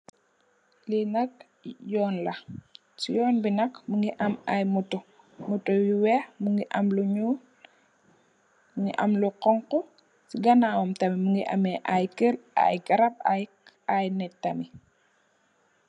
Li nak yuun la si yun bi nak mogi am ay moto moto yu weex mogi am lu nuul mogi am lu xonxu si kanawam tam mogeh am ay keur ay garab ay nit tamit.